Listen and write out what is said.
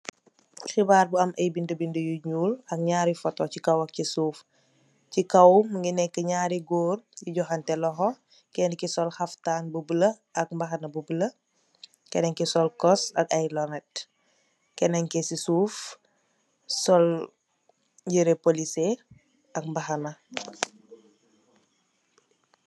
Hebarr bu am aye bede bede yu nuul ak nyari fotou se kaw ak se suuf se kaw muge neka nyari goor yu juhateh lohou kenake sol haftan bu bulo ak mbaxana bu bulo kenenke sol koss ak aye lunet kenenke se suuf sol yere polese ak mbaxana.